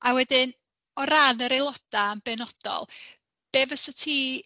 A wedyn o ran yr aelodau yn benodol, be fysa ti...